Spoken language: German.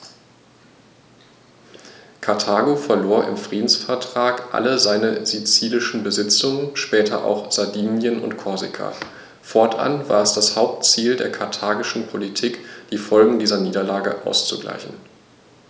Karthago verlor im Friedensvertrag alle seine sizilischen Besitzungen (später auch Sardinien und Korsika); fortan war es das Hauptziel der karthagischen Politik, die Folgen dieser Niederlage auszugleichen.